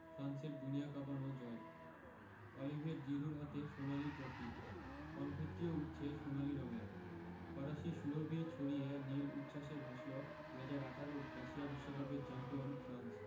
ফ্রান্সের দুনিয়া কাঁপানো জয় অলিভিয়ের জিরুর হাতে সোনালি ট্রফি কনফেত্তিও উড়ছে সোনালি রঙের ফরাসি সুরভি ছড়িয়ে নীল উচ্ছ্বাসে ভাসল ২০১৮ রাশিয়া বিশ্বকাপের চ্যাম্পিয়ন ফ্রান্স